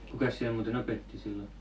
kukas siellä muuten opetti silloin